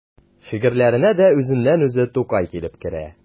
Шигырьләренә дә үзеннән-үзе Тукай килеп керә.